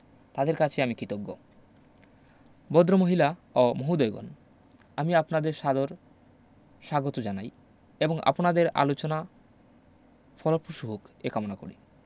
তাঁদের কাছে আমি কিতজ্ঞ বদ্রমহিলা ও মহোদয়গণ আমি আপনাদের সাদর স্বাগত জানাই এবং আপনাদের আলোচনা ফলপ্রসূ হোক এ কামনা করি